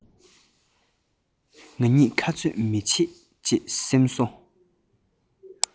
ང གཉིས ཁ རྩོད མི བྱེད ཅེས སེམས གསོ